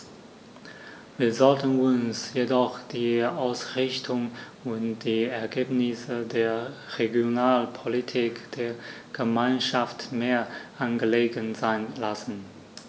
Wir sollten uns jedoch die Ausrichtung und die Ergebnisse der Regionalpolitik der Gemeinschaft mehr angelegen sein lassen.